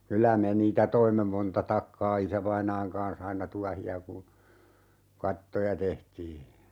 kyllä me niitä toimme monta takkaa isävainaan kanssa aina tuohia kun kattoja tehtiin